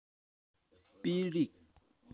སྤེལ རེས